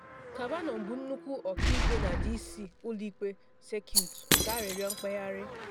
Kavanaugh bụ nnukwu ọka ikpe na D.C. Ụlọ Ikpe Sekuit nke Arịrịọ Mkpegharị.